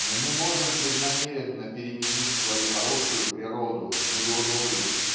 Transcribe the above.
но не можем преднамеренно переменить свою хорошую природу на дурную.